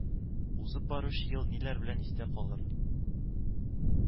Узып баручы ел ниләр белән истә калыр